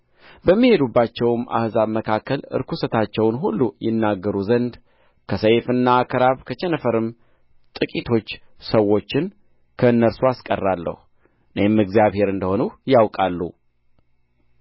በሚሄዱባቸውም አሕዛብ መካከል ርኵሰታቸውን ሁሉ ይናገሩ ዘንድ ከሰይፍና ከራብ ከቸነፈርም ጥቂቶች ሰዎችን ከእነርሱ አስቀራለሁ እኔም እግዚአብሔር እንደ ሆንሁ ያውቃሉ